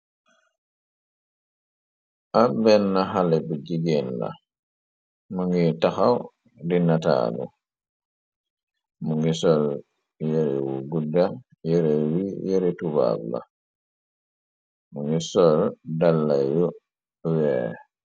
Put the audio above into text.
Ab bena xale bi jigéen la mu ngiy taxaw di nataalu mu ngi sol yeri wu gudda yere ye yeri tubaab la mu ngir sol dalla yu weex.